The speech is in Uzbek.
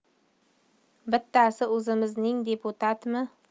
bittasi o'zimizning deputatmi